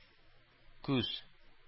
Күз